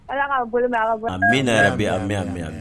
Ala ka bɛ yɛrɛ bɛ an bɛ yan